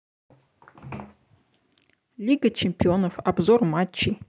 лига чемпионов обзор матчей